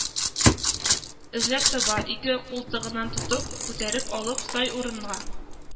Эзләп таба, ике култыгыннан тотып, күтәреп алып, сай урынга